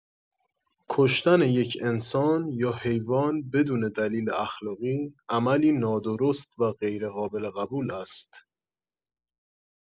کشتن یک انسان یا حیوان بدون دلیل اخلاقی، عملی نادرست و غیرقابل قبول است.